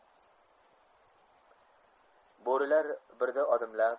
bo'rilar birda odimlab